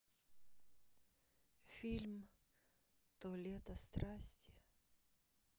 фильм то лето страсти